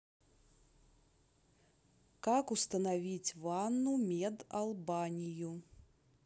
как установить ванну мед албанию